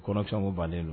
Connection kun bannen do